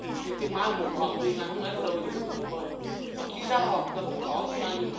nhiều khi mai mốt họp thìì ngày hôm nay mới bắt đầu gửi giấy mời và khi ra họp là không có tài liệu